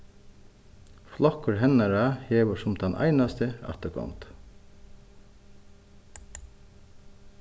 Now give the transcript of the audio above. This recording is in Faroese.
flokkur hennara hevur sum tann einasti afturgongd